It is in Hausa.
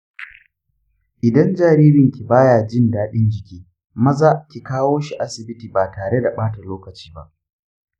idan jaririnki ba ya jin daɗin jiki, maza ki kawo shi asibiti ba tare da ɓata lokaci ba